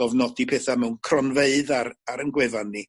gofnodi petha mewn cronfeydd ar ar 'yn gwefan ni.